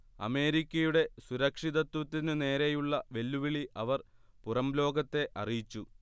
അമേരിക്കയുടെ സുരക്ഷിതത്വത്തിനു നേരെയുള്ള വെല്ലുവിളി അവർ പുറംലോകത്തെ അറിയിച്ചു